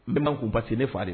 N bɛ ma k'u pa tɛ ne faga de ye